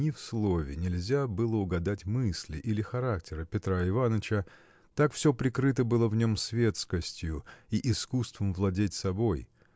ни в слове нельзя было угадать мысли или характера Петра Иваныча – так все прикрыто было в нем светскостью и искусством владеть собой.